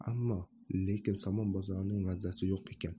ammo lekin somon bozorining mazasi yo'q ekan